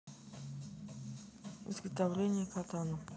изготовление катана